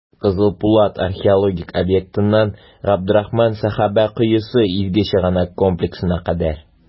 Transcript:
«кызыл пулат» археологик объектыннан "габдрахман сәхабә коесы" изге чыганак комплексына кадәр.